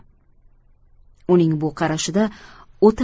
uning bu qarashida o'ta